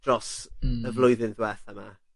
dros... Hmm. ...y flwyddyn ddwetha 'ma.